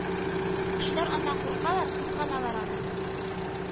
Кешеләр аннан куркалар, кызганалар аны